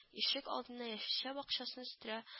Ишек алдына яшелчә бакчасын үстерә